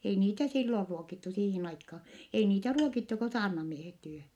ei niitä silloin ruokittu siihen aikaan ei niitä ruokittu kuin saarnamiehet tyhjän